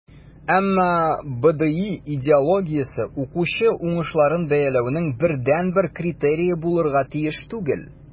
Әмма БДИ идеологиясе укучы уңышларын бәяләүнең бердәнбер критерие булырга тиеш түгел.